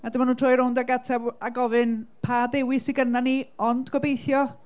A dyma nhw'n troi rownd ac ateb a gofyn "pa ddewis sydd gennym ni, ond gobeithio".